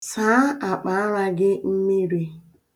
Saa akpaara gị mmiri.